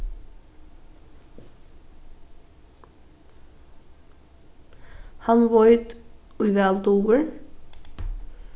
hann veit ið væl dugir